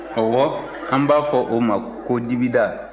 ɔwɔ an b'a fɔ o ma ko dibida